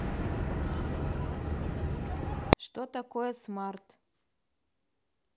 что такое smart